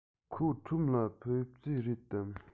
ཁོ ཁྲོམ ལ ཕེབས རྩིས རེད དམ